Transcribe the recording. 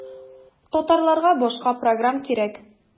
Татарларга башка программ кирәк.